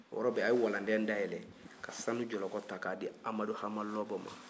o yɔrɔ bɛɛ a ye walandɛn dayɛlɛn ka sanu jɔlɔkɔ ta k'a di amadu hama lɔbɔ ma